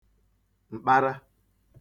m̀kpara